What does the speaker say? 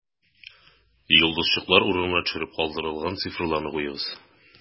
Йолдызчыклар урынына төшереп калдырылган цифрларны куегыз: